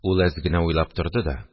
Ул әз генә уйлап торды да: